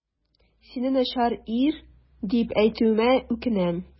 Сине начар ир дип әйтүемә үкенәм.